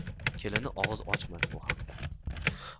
kelini og'iz ochmadi bu haqda